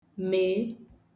mèe